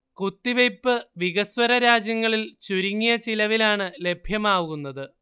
കുത്തിവെയ്പ് വികസ്വര രാജ്യങ്ങളിൽ ചുരുങ്ങിയ ചിലവിലാണ് ലഭ്യമാകുന്നത്